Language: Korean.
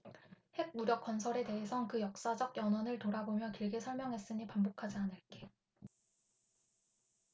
핵무력건설에 대해선 그 역사적 연원을 돌아보며 길게 설명했으니 반복하지 않을게